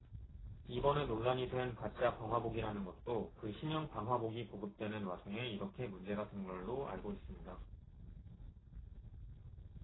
이번에 논란이 된 가짜 방화복이라는 것도 그 신형 방화복이 보급되는 와중에 이렇게 문제가 된 걸로 알고 있습니다